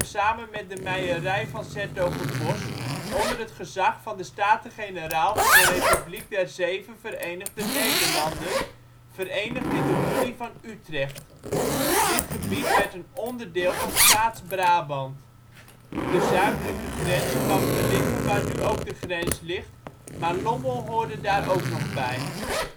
samen met de Meierij van ' s-Hertogenbosch onder het gezag van de Staten-Generaal van de Republiek der Zeven Verenigde Nederlanden, verenigd in de Unie van Utrecht. Dit gebied werd een onderdeel van Staats-Brabant. De zuidelijke grens kwam te liggen, waar nu ook de grens ligt, maar Lommel hoorde daar ook nog bij.